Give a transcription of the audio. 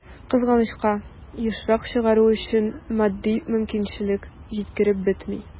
Кызганычка, ешрак чыгару өчен матди мөмкинчелек җитенкерәп бетми.